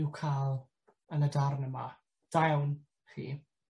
I'w ca'l yn y darn yma. Da awn chi.